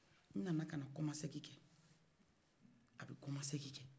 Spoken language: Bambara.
n nana kana kɔmasegi kɛ a bɛ kɔman segi kɛ